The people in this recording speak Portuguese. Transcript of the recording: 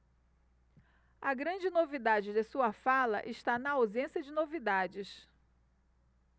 a grande novidade de sua fala está na ausência de novidades